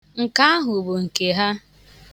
Nke ahụ bụ nke ha.